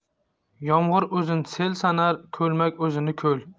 yomg'ir o'zin sel sanar ko'lmak o'zin ko'l